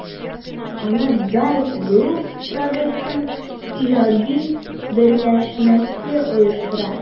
Аны JIVE Group Produсtion иҗади берләшмәсе оештыра.